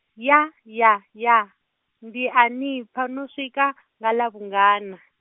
ya ya ya, ndi a nipfa no swika, nga ḽa vhungana?